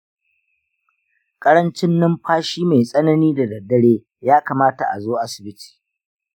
ƙarancin numfashi mai tsanani da daddare ya kamata a zo asibiti.